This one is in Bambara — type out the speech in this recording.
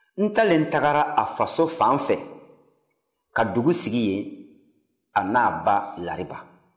ntalen tagara a faso fan fɛ ka dugusigi ye a n'a ba lariba